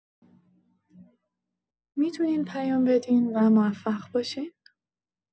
می‌تونین پیام بدین و موفق باشین.